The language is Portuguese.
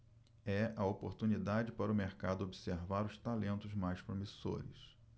é a oportunidade para o mercado observar os talentos mais promissores